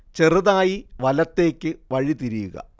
ചെറുതായി വലത്തേക്ക് വഴിതിരിയുക